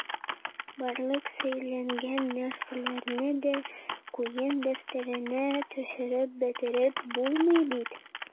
Барлык сөйләнгән нәрсәләрне дә куен дәфтәренә төшереп бетереп булмый бит...